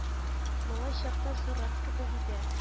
Малай чакта зуррак кебек иде